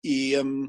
i yym